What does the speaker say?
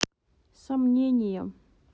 сомнения